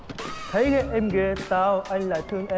thấy ghét em ghê sao anh lại thương